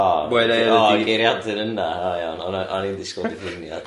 O o geiriadur yna o iawn o'n i'n disgwl diffiniad.